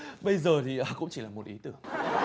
bây giờ thì cũng chỉ là một ý tưởng